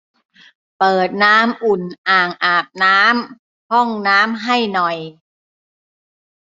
เปิดน้ำอุ่นอ่างอาบน้ำห้องน้ำให้หน่อย